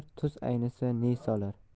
tuz aynisa ne solar